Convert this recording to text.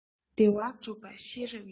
བདེ བ བསྒྲུབ པ ཤེས རབ ཡིན